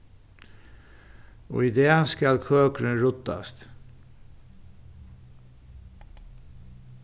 í dag skal køkurin ruddast